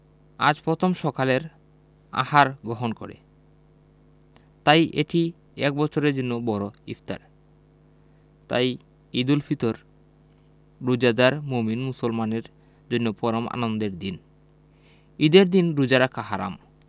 আজ পথম সকালের আহার গহণ করে তাই এটি এক বছরের জন্য বড় ইফতার তাই ঈদুল ফিতর রোজাদার মোমিন মুসলমানের জন্য পরম আনন্দের দিন ঈদের দিনে রোজা রাখা হারাম